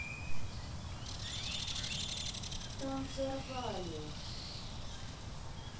там взорвали